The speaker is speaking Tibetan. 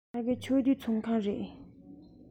ཕ གི ཕྱོགས བསྡུས ཚོགས ཁང རེད